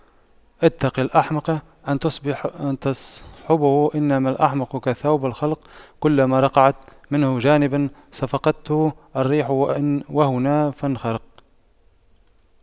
اتق الأحمق أن تصحبه إنما الأحمق كالثوب الخلق كلما رقعت منه جانبا صفقته الريح وهنا فانخرق